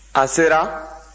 a sera